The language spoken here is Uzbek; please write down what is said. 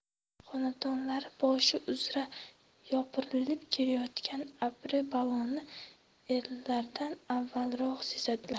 xonadonlari boshi uzra yopirilib kelayotgan abri baloni erlardan avvalroq sezadilar